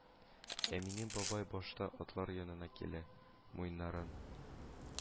Ә минем бабай башта атлар янына килә, муеннарын